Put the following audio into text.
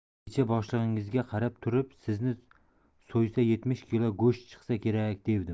kecha boshlig'ingizga qarab turib sizni so'ysa yetmish kilo go'sht chiqsa kerak devdim